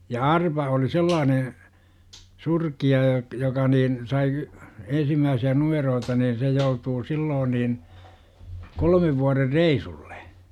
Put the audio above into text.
ja arpa oli sellainen surkea ja joka niin sai ensimmäisiä numeroita niin se joutui silloin niin kolmen vuoden reissulle